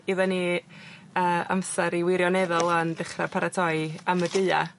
iddon ni a amser i wirioneddol 'wan dechra paratoi am y Gaea.